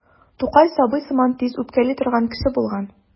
Тукай сабый сыман тиз үпкәли торган кеше булган бит.